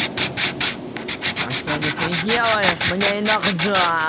а че не предаешь мне иногда